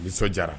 Nisɔndiara